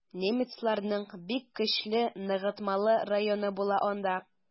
Немецларның бик көчле ныгытмалы районы була анда.